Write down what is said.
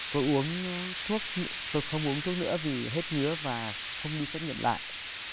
tôi uống thuốc tôi không uống thuốc nữa vì hết ngứa và không đi xét nghiệm lại